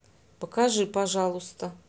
покажи пожалуйста